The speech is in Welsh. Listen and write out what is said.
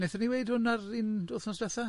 Naethon ni weud hwn ar un wythnos diwetha'?